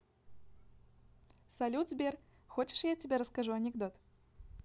салют сбер хочешь я тебе расскажу анекдот